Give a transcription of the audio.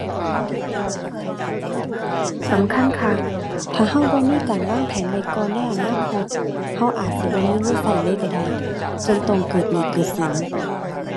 สำคัญคัก ถ้าเราบ่มีการวางแผนไว้ก่อนในอนาคต เราอาจสิบ่มีเงินเราเลยเราได้ จนต้องเกิดหนี้เกิดสิน